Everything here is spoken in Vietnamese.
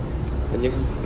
hình như cái